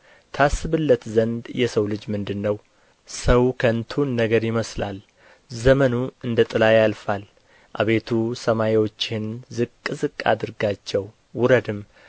ታስብለት ዘንድ የሰው ልጅ ምንድር ነው ሰው ከንቱን ነገር ይመስላል ዘመኑ እንደ ጥላ ያልፋል አቤቱ ሰማዮችህን ዝቅ ዝቅ አድርጋቸው ውረድም